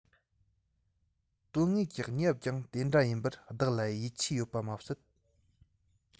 དོན དངོས ཀྱི གནས བབ ཀྱང དེ འདྲ ཡིན པར བདག ལ ཡིད ཆེས ཡོད པ མ ཟད